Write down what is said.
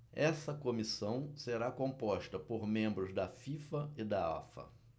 essa comissão será composta por membros da fifa e da afa